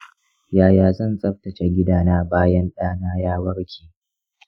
yaya zan tsaftatace gidana bayan ɗana ya warke?